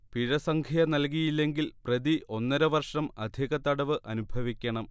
പിഴസംഖ്യ നൽകിയില്ലെങ്കിൽ പ്രതി ഒന്നരവർഷം അധിക തടവ് അനുഭവിക്കണം